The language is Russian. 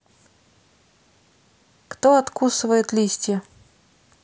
кто откусывает листья